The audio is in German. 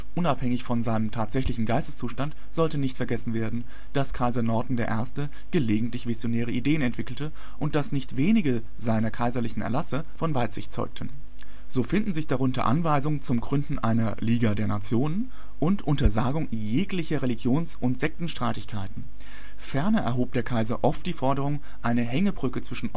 von seinem tatsächlichen Geisteszustand sollte nicht vergessen werden, dass Kaiser Norton I. gelegentlich visionäre Ideen entwickelte und dass nicht wenige seiner kaiserlichen Erlasse von Weitsicht zeugten. So finden sich darunter Anweisungen zum Gründen einer „ Liga der Nationen “und Untersagungen jeglicher Religions - und Sektenstreitigkeiten. Ferner erhob der Kaiser oft die Forderung, eine Hängebrücke zwischen